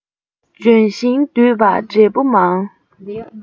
ལྗོན ཤིང དུད པ འབྲས བུ མང